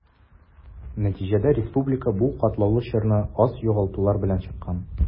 Нәтиҗәдә республика бу катлаулы чорны аз югалтулар белән чыккан.